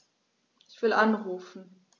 Ich will anrufen.